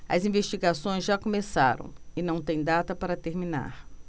as investigações já começaram e não têm data para terminar